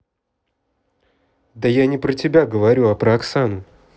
да я не про тебя говорю а про оксанку